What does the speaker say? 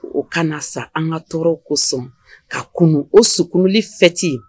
O kana na sa an ka tɔɔrɔ kosɔn ka kun o suurunli fɛti